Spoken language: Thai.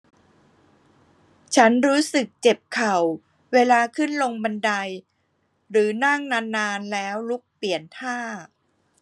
ฉันรู้สึกเจ็บเข่าเวลาขึ้นลงบันไดหรือนั่งนานนานแล้วลุกเปลี่ยนท่า